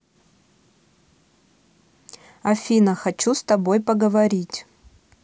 афина хочу с тобой поговорить